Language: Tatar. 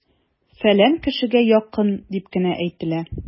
"фәлән кешегә якын" дип кенә әйтелә!